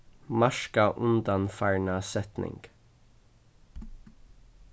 marka undanfarna setning